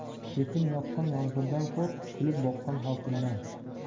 sekin yoqqan yomg'irdan qo'rq kulib boqqan hokimdan